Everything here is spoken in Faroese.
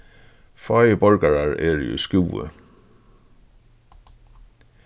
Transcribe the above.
fáir borgarar eru í skúvoy